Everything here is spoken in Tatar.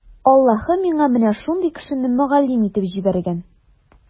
Аллаһы миңа менә шундый кешене мөгаллим итеп җибәргән.